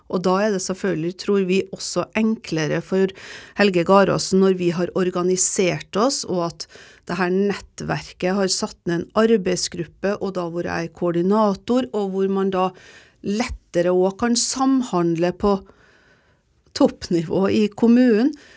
og da er det selvfølgelig tror vi også enklere for Helge Garåsen når vi har organisert oss og at det her nettverket har satt ned en arbeidsgruppe og da hvor jeg er koordinator og hvor man da lettere òg kan samhandle på toppnivå i kommunen.